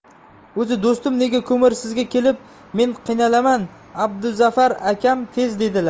o'zi do'stim nega ko'mir sizga kelib men qiynalaman abduzafar akam tez dedilar